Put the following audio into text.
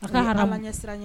A ka ha ɲɛ siran